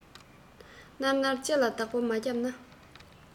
ནར ནར ལྕེ ལ བདག པོ མ རྒྱབ ན